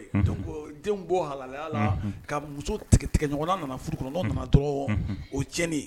Donc denw be bɔ halalaya la ka muso tigɛɲɔgɔn na ya nana furu kɔnɔ no nana dɔrɔn o ye tiɲɛni ye